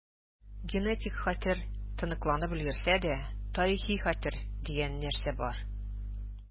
Генетик хәтер тоныкланып өлгерсә дә, тарихи хәтер дигән нәрсә бар.